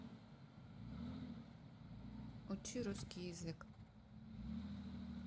учи русский язык